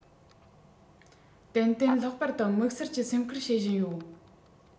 ཏན ཏན ལྷག པར དུ དམིགས བསལ གྱིས སེམས ཁུར བྱེད བཞིན ཡོད